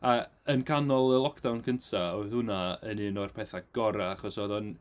A yn canol y lockdown cynta oedd hwnna yn un o'r pethau gorau, achos oedd o'n...